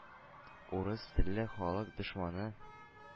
«урыс телле халык» дошманы,